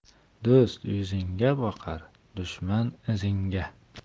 do'st yuzingga boqar dushman izingga